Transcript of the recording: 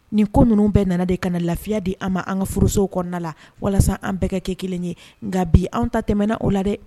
Nin ko ninnu bɛɛ nana de kana na lafiya di an ma an ka furusow kɔnɔna la walasa an bɛɛ kɛ kɛ kelen ye nka bi an ta tɛmɛnɛna o la dɛ